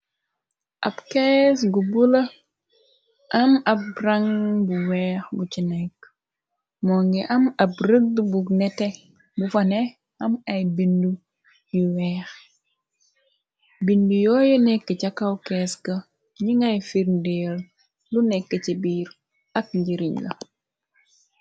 Ab kees gu bula am ab brang bu weex bu ci nekk moo ngi am ab rëdd bu nete. Bu fane am ay bind yu weex bind. Yooyu nekk ca kawkees ga ni ngay firndeel lu nekk ci biir ak njiriñ la.